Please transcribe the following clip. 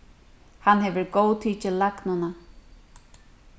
hann hevur góðtikið lagnuna